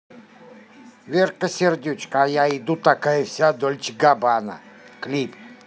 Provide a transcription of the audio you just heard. верка сердючка а я иду такая вся дольчегабана клип